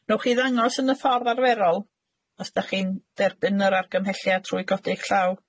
Nowch chi ddangos yn y ffordd arferol os 'dach chi'n derbyn yr argymhelliad trwy godi'ch llaw?